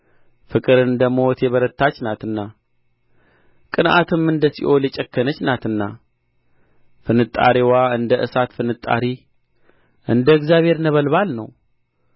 ፍቅር እንደ ሞት የበረታች ናትና ቅንዓትም እንደ ሲኦል የጨከነች ናትና ፍንጣሪዋ እንደ እሳት ፍንጣሪ እንደ እግዚአብሔር ነበልባል ነው